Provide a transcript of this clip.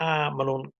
a ma' nw'n